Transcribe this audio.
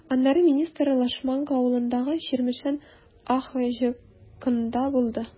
Аннары министр Лашманка авылындагы “Чирмешән” АХҖКында булды.